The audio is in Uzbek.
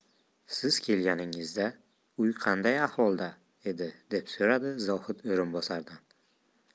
siz kelganingizda uy qanday ahvolda edi deb so'radi zohid o'rinbosardan